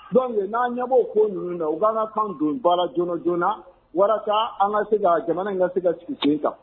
Jɔn n'a ɲɛbɔw ko ninnu na u' ka kan don baara joona joonana walasa an ka se ka jamana ka se ka sigi sen kan